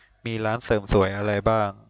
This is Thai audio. มีร้านเสริมสวยอะไรบ้าง